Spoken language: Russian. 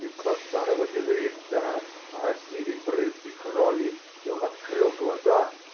Лицо старого Безевиттера оросили брызги крови, и он открыл глаза.